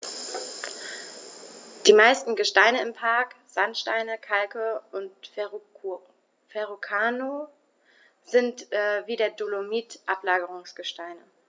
Die meisten Gesteine im Park – Sandsteine, Kalke und Verrucano – sind wie der Dolomit Ablagerungsgesteine.